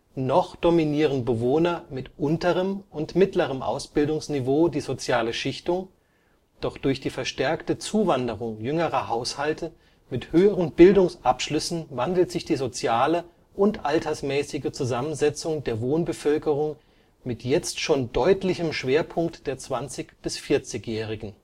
Noch dominieren Bewohner mit unterem und mittlerem Ausbildungsniveau die soziale Schichtung, doch durch die verstärkte Zuwanderung jüngerer Haushalte mit höheren Bildungsabschlüssen wandelt sich die soziale und altersmäßige Zusammensetzung der Wohnbevölkerung mit jetzt schon deutlichem Schwerpunkt der 20 - bis 40-Jährigen